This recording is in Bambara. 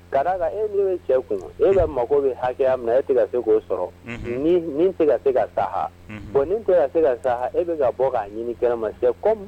Ka d'a kan e min bɛ i cɛ fɛ yen, e mago bɛ hakɛya min na e tɛ k'o sɔrɔ , unhun, nin tɛ ka se ka saha, unhun, bon nin tɛ se ka saha , e ka bɔ k'a ɲini kɛnɛ ma c'est comme